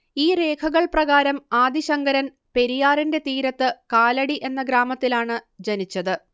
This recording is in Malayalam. ഈ രേഖകൾ പ്രകാരം ആദി ശങ്കരൻ പെരിയാറിന്റെ തീരത്ത് കാലടി എന്ന ഗ്രാമത്തിലാണ് ജനിച്ചത്